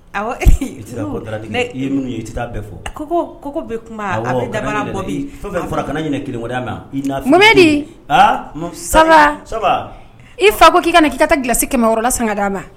Ne ye min ye i bɛɛ fɔ ko koko bɛ kuma da bɔ fara kana ɲini ma di i fa ko k'i ka k'i taa kisi kɛmɛyɔrɔla san ka d'a ma